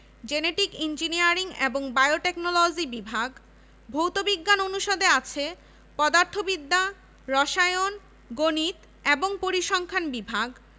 প্রায় ৮ হাজার ৮৭২ জন শিক্ষার্থী ৪১৮ জন অনুষদ সদস্য রয়েছে এছাড়া স্কুল অব মেডিক্যাল সায়েন্সের আওতায় চারটি মেডিক্যাল কলেজ আছে যেখানে শিক্ষার্থীর সংখ্যা